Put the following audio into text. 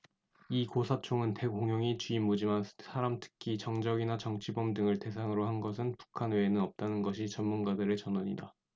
이 고사총은 대공용이 주임무지만 사람 특히 정적이나 정치범 등을 대상으로 한 것은 북한 외에는 없다는 것이 전문가들의 전언이다